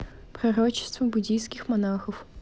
пророчество буддийских монахов